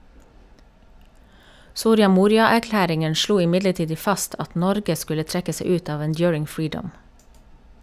Soria Moria-erklæringen slo imidlertid fast at Norge skulle trekke seg ut av Enduring Freedom.